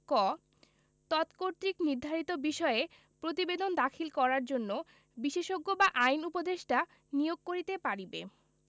ক তৎকর্তৃক নির্ধারিত বিষয়ে প্রতিবেদন দাখিল করার জন্য বিশেষজ্ঞ বা আইন উপদেষ্টা নিয়োগ করিতে পারিবে